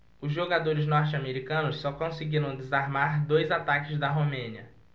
os jogadores norte-americanos só conseguiram desarmar dois ataques da romênia